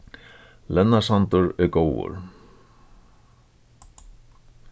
leynasandur er góður